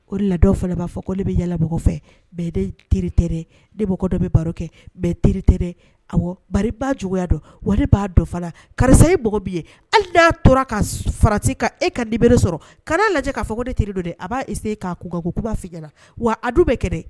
Ko la fana b'a fɔ ko ale bɛ yaabɔ fɛ bɛɛtere e bɔkɔ dɔ bɛ baro kɛ bɛɛ teritere a ba juguya dɔn wa b'a dɔ karisa ye bɛ ye hali n'a tora ka farati ka e ka dib bere sɔrɔ ka lajɛ k'a fɔ ne teri don de a b'a se kakan koba fi wa adu bɛ kɛ